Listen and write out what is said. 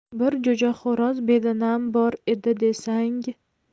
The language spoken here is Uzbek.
bir jo'jaxo'roz bedanam bor edi desang